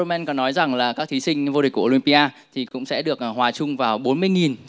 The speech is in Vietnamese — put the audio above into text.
men nói rằng là các thí sinh vô địch của ô lim pi a thì cũng sẽ được hòa chung vào bốn mươi nghìn